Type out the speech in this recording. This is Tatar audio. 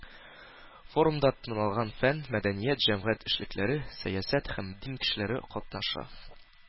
Форумда танылган фән, мәдәният, җәмәгать эшлекләре, сәясәт һәм дин кешеләре катнаша.